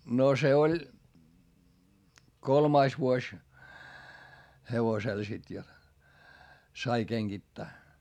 no se oli kolmas vuosi hevosella sitten jotta sai kengittää